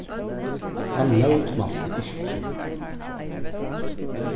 hann mótmælti ikki